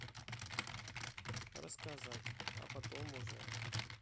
расскать а потом уже